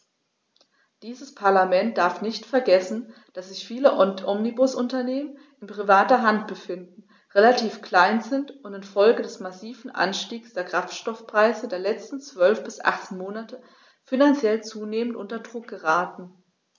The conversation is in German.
Dieses Parlament darf nicht vergessen, dass sich viele Omnibusunternehmen in privater Hand befinden, relativ klein sind und in Folge des massiven Anstiegs der Kraftstoffpreise der letzten 12 bis 18 Monate finanziell zunehmend unter Druck geraten.